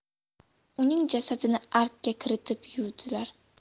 uning jasadini arkka kiritib yuvdilar